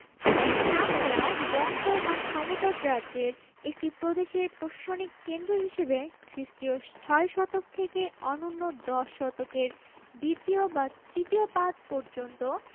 তা ছাড়াও বঙ্গ বা সমতট রাজ্যের একটি প্রদেশের প্রশাসনিক কেন্দ্র হিসেবে খ্রিস্টীয় ছয় শতক থেকে অনুন্য দশ শতকের দ্বিতীয় বা তৃতীয় পাদ পর্যন্ত